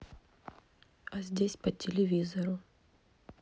а здесь по телевизору